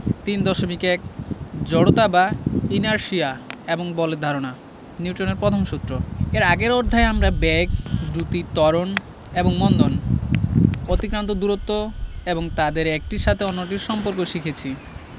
৩.১ জড়তা বা ইনারশিয়া এবং বলের ধারণা নিউটনের প্রথম সূত্র এর আগের অধ্যায়ে আমরা বেগ দ্রুতি ত্বরণ এবং মন্দন অতিক্রান্ত দূরত্ব এবং তাদের একটির সাথে অন্যটির সম্পর্ক শিখেছি